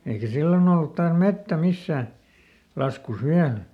eikä silloin ollut taas metsä missään laskussa vielä